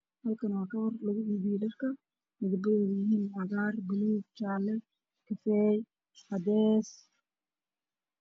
Halkaan waa kabar lugu iibiyo dharka midabkoodu uu yahay cagaar, buluug, jaale, kafay iyo cadeys.